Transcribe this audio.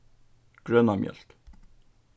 grøna mjólk